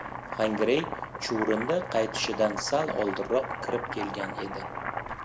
xongirey chuvrindi qaytishidan sal oldinroq kirib kelgan edi